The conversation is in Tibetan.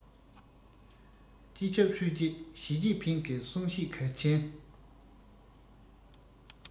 སྤྱི ཁྱབ ཧྲུའུ ཅི ཞིས ཅིན ཕིང གི གསུང བཤད གལ ཆེན